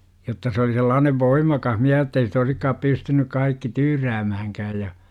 jotta se oli sellainen voimakas - jotta ei sitä olisikaan pystynyt kaikki tyyräämäänkään ja